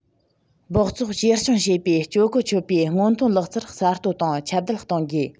སྦགས བཙོག བཅོས སྐྱོང བྱེད པའི སྤྱོད གོ ཆོད པའི སྔོན ཐོན ལག རྩལ གསར གཏོད དང ཁྱབ གདལ གཏོང དགོས